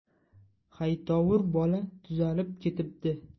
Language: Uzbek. haytovur bola tuzalib ketibdi